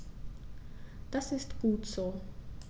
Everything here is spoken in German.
Das ist gut so.